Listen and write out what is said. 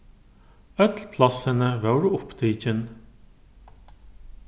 øll plássini vóru upptikin